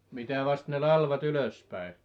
mitä vasten ne latvat ylös päin